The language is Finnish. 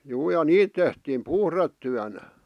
juu ja niitä tehtiin puhdetyönä